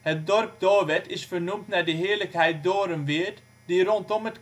Het dorp Doorwerth is vernoemd naar de Heerlickheid Dorenweerd die rondom het